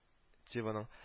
Теваның